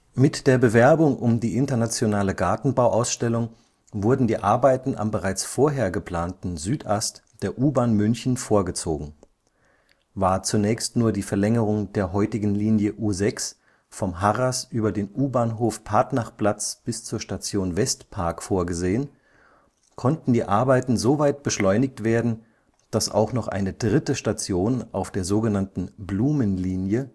Mit der Bewerbung um die Internationale Gartenbauausstellung wurden die Arbeiten am bereits vorher geplanten Südast der U-Bahn München vorgezogen. War zunächst nur die Verlängerung der heutigen Linie U6 vom Harras über den U-Bahnhof Partnachplatz bis zur Station Westpark vorgesehen, konnten die Arbeiten so weit beschleunigt werden, dass auch noch eine dritte Station auf der sogenannten Blumen-Linie